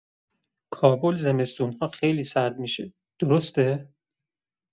کابل زمستون‌ها خیلی سرد می‌شه، درسته؟